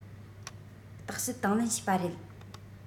བརྟག དཔྱད དང ལེན བྱས པ རེད